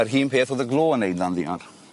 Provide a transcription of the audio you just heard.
...yr hun peth o'dd y glo yn neud ddan ddiar.